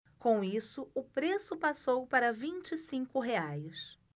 com isso o preço passou para vinte e cinco reais